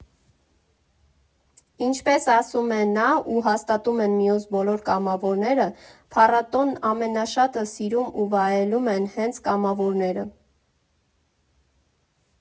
Ինչպես ասում է նա (ու հաստատում են մյուս բոլոր կամավորները)՝ փառատոնն ամենաշատը սիրում ու վայելում են հենց կամավորները։